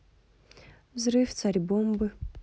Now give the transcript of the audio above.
взрыв царь бомбы